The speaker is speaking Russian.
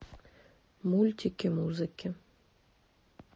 мультики музыки